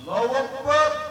Alahu akibaru !